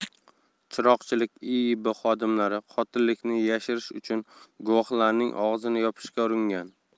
chiroqchilik iib xodimlari qotillikni yashirish uchun guvohlarning og'zini yopishga uringan